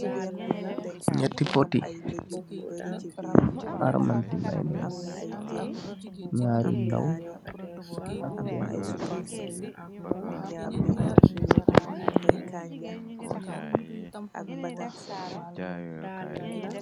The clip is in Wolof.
Nyatti poti, armanti maynees , nyaari ndaw, ak benh bu mak.